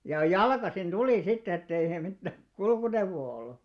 ja jalkaisin tuli sitten että ei sillä mitään kulkuneuvoa ollut